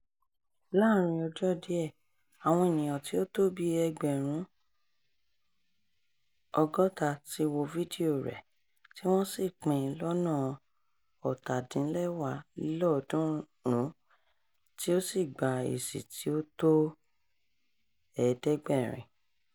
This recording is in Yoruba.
Láàárín ọjọ́ díẹ̀, àwọn ènìyàn tí ó tó bíi ẹgbẹ̀rún 60 ti wo fídíò rẹ̀, tí wọ́n sì pín in lọ́nà 350, tí ó sì gba èsì tí ó tó 700.